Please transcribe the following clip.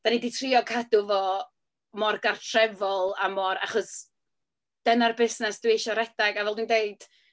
Dan ni 'di trio cadw fo mor cartrefol a mor... Achos dyna'r busnes dwi isio redeg. A fel dwi'n deud...